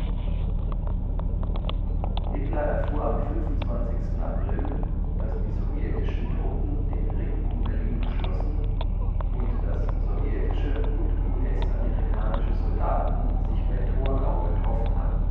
Hitler erfuhr am 25. April, dass die sowjetischen Truppen den Ring um Berlin geschlossen und dass sowjetische und US-amerikanische Soldaten sich bei Torgau getroffen hatten